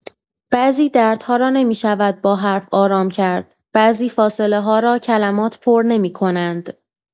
بعضی دردها را نمی‌شود با حرف آرام کرد، بعضی فاصله‌ها را کلمات پر نمی‌کنند.